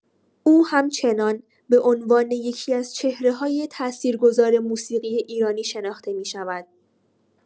او همچنان به عنوان یکی‌از چهره‌های تاثیرگذار موسیقی ایرانی شناخته می‌شود.